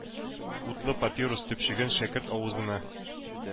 Утлы папирос төпчеген шәкерт авызына